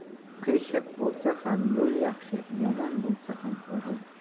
qiyshiq bo'lsa ham yo'l yaxshi yomon bo'lsa ham o'g'il